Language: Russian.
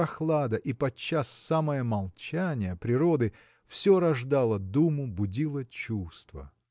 прохлада и подчас самое молчание природы – все рождало думу будило чувство.